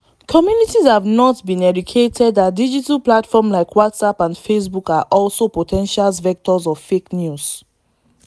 Communities have not been educated that digital platforms like WhatsApp and Facebook are also potentials vectors of fake news.